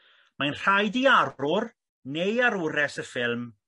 mae'n rhaid i arwr neu arwres y ffilm